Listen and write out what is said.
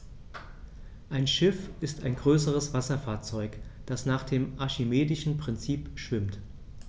Ein Schiff ist ein größeres Wasserfahrzeug, das nach dem archimedischen Prinzip schwimmt.